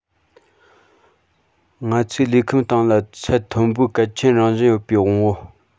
ང ཚོས ལུས ཁམས སྟེང ལ ཚད མཐོན པོའི གལ ཆེན རང བཞིན ཡོད པའི དབང པོ